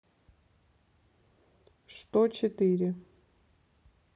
что четыре